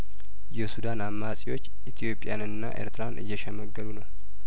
የሱዳን አማጺዎች ኢትዮጵያንና ኤርትራን እየሸ መገሉ ነው